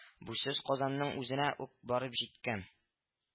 Бу сүз казанның үзенә үк барып җиткән